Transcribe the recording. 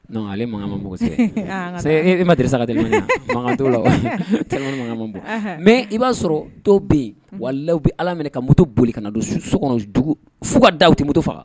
Donc Ale mankan ma mɔgɔ se yan, an a ka taa, e ma dirisa ka telimani ye wa, mankan t'o la wo, telimani mankan man bo, mais i b'a sɔrɔ dɔw bɛ yen allah minɛ ka muto boli kana na don sokɔnɔ dugu f'u ka da u tɛ muto faga!